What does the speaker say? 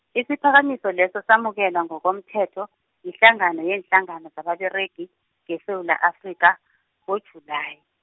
isiphakamiso leso samukelwa ngokomthetho, yihlangano yeenhlangano zababeregi, ngeSewula Afrika, ngoJulayi.